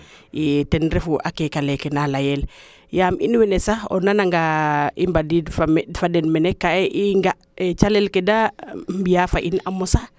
i ten refu a keeka leeke na leyel yaam in wene sax o nananga i mbandiid fa den mene ka i nga calel ke de mbiya fo in a mosa